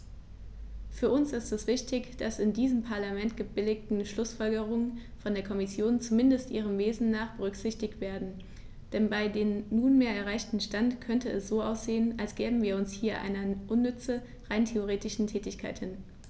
Für uns ist es wichtig, dass die in diesem Parlament gebilligten Schlußfolgerungen von der Kommission, zumindest ihrem Wesen nach, berücksichtigt werden, denn bei dem nunmehr erreichten Stand könnte es so aussehen, als gäben wir uns hier einer unnütze, rein rhetorischen Tätigkeit hin.